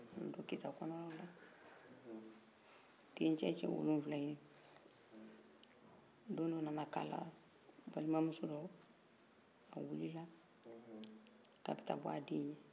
nin don kita kɔnɔ na la denkɛ wolonfila in don dɔ nana k'a la balima muso dɔ a wilila k'a bɛ taa bɔ a de ye